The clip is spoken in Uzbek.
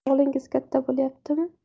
o'g'lingiz katta bo'lyaptimi